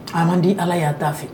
A man di ala y'a' a fɛ